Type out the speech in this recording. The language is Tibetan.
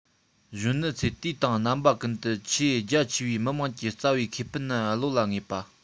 གཞོན ནུ ཚོས དུས དང རྣམ པ ཀུན ཏུ ཆེས རྒྱ ཆེ བའི མི དམངས ཀྱི རྩ བའི ཁེ ཕན བློ ལ ངེས པ